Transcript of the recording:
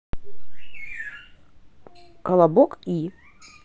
колобок и